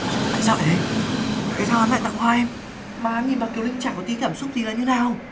tại sao lại thế tại sao hắn lại tặng hoa em mà hắn nhìn bà kiều linh chả có tý cảm xúc gì là như thế nào